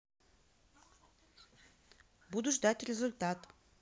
буду ждать результат